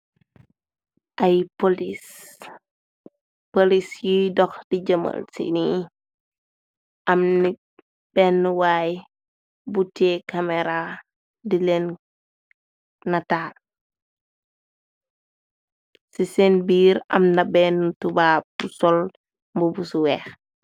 Aye polis polis yuy doh di jëmal ci ne am na bene waay bu teye kamera di leen nataal ci sen biir am na bene tubab bu sol mubusu weex.